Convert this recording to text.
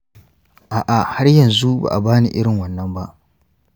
a’a, har yanzu ba a ba ni irin wannan ba.